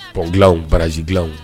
Pont dilanw barage dilanw